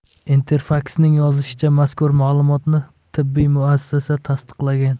interfaks ning yozishicha mazkur ma'lumotni tibbiy muassasa tasdiqlagan